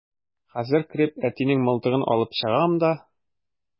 Хәзер кереп әтинең мылтыгын алып чыгам да...